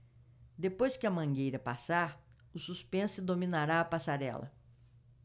depois que a mangueira passar o suspense dominará a passarela